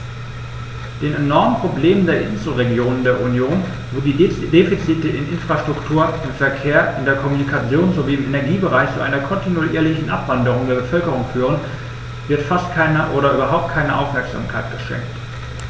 Den enormen Problemen der Inselregionen der Union, wo die Defizite in der Infrastruktur, im Verkehr, in der Kommunikation sowie im Energiebereich zu einer kontinuierlichen Abwanderung der Bevölkerung führen, wird fast keine oder überhaupt keine Aufmerksamkeit geschenkt.